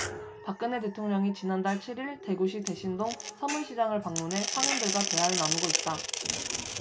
박근혜 대통령이 지난달 칠 일 대구시 대신동 서문시장을 방문해 상인들과 대화를 나누고 있다